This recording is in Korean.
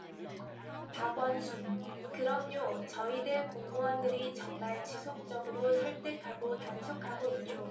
박원순 그럼요 저희들 공무원들이 정말 지속적으로 설득하고 단속하고 있죠